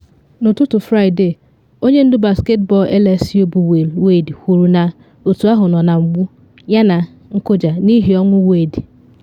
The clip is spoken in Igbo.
N’ụtụtụ Fraịde, onye ndu basketbọọlụ LSU bụ Will Wade kwuru na otu ahụ nọ na “mgbu” yana “nkụja” n’ihi ọnwụ Wayde.